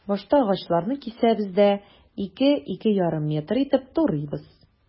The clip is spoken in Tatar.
Башта агачларны кисәбез дә, 2-2,5 метр итеп турыйбыз.